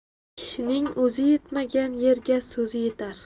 kishining o'zi yetmagan yerga so'zi yetar